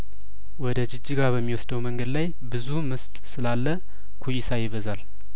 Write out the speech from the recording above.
ወደ ጂጂጋ በሚወስደው መንገድ ላይ ብዙም ስጥ ስላለኩ ይሳ ይበዛል